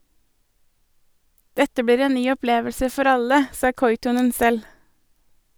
Dette blir en ny opplevelse for alle , sa Kuitunen selv.